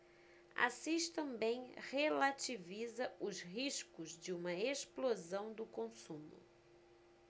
assis também relativiza os riscos de uma explosão do consumo